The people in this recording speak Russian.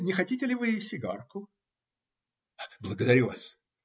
Не хотите ли вы сигарку? - Благодарю вас.